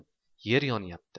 yer yonyapti